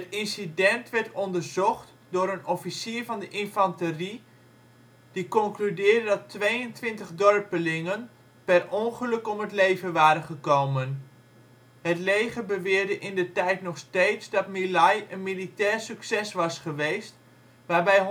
incident werd onderzocht door een officier van de infanterie, die concludeerde dat 22 dorpelingen per ongeluk om het leven waren gekomen; het leger beweerde indertijd nog steeds dat My Lai een militair succes was geweest waarbij